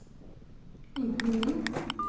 Und nun?